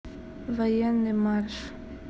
военный марш